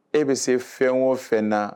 E bɛ se fɛn o fɛn na